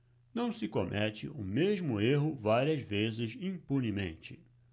não se comete o mesmo erro várias vezes impunemente